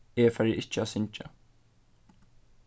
eg fari ikki at syngja